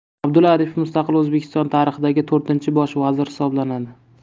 abdulla aripov mustaqil o'zbekiston tarixidagi to'rtinchi bosh vazir hisoblanadi